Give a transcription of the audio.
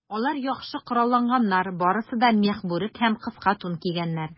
Алар яхшы коралланганнар, барысы да мех бүрек һәм кыска тун кигәннәр.